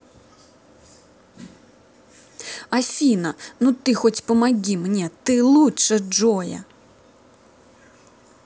афина ну ты хоть помоги мне ты лучше джоя